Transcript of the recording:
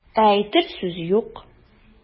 Ә әйтер сүз юк.